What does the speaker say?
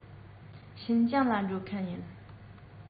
ཤིན ཅང ལ འགྲོ མཁན ཡིན